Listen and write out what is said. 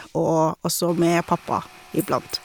Og også med pappa, iblant.